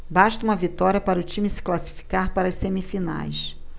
basta uma vitória para o time se classificar para as semifinais